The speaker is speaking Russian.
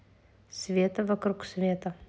света вокруг света